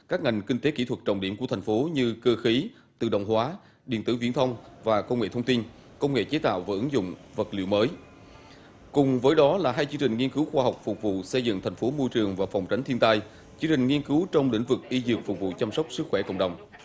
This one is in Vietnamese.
các ngành kinh tế kỹ thuật trọng điểm của thành phố như cơ khí tự động hóa điện tử viễn thông và công nghệ thông tin công nghệ chế tạo và ứng dụng vật liệu mới cùng với đó là hai chương trình nghiên cứu khoa học phục vụ xây dựng thành phố môi trường và phòng tránh thiên tai chương trình nghiên cứu trong lĩnh vực y dược phục vụ chăm sóc sức khỏe cộng đồng